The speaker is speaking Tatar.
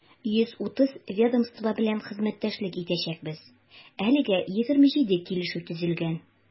130 ведомство белән хезмәттәшлек итәчәкбез, әлегә 27 килешү төзелгән.